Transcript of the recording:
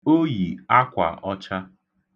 O yi akwa ọcha.